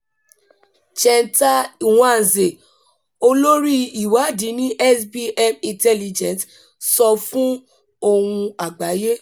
Ó hùn mí láti mọ IBI tí wọ́n ti ṣe ìwádìí-àyẹ̀wò yìí ní Nàìjíríà.